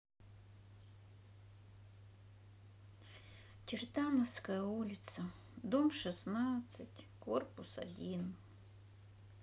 чертановская улица дом шестнадцать корпус один